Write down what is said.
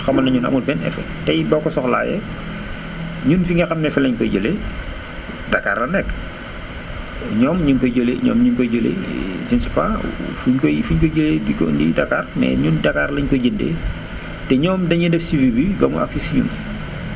xamal nañ ñu ne amul benn effet te it boo ko soxlawee ñun fi nga xam ne fa lañ koy jëlee dakar lan nekk ñoom ñu ngi koy jëlee ñoom ñu ngi koy jëlee je ne sais pas fi ñu koy fi ñu koy jëlee di ko indi Dakar mais ñun Dakar lañ koy jëndee te ñoom dañuy def suivi bi ba mu àgg si si ñun